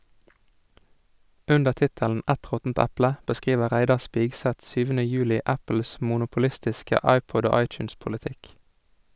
Under tittelen "Et råttent eple" beskriver Reidar Spigseth 7. juli Apples monopolistiske iPod- og iTunes-politikk.